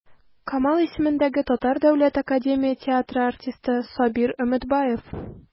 Камал исемендәге Татар дәүләт академия театры артисты Сабир Өметбаев.